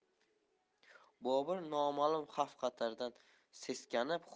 bobur nomalum xavf xatardan seskanib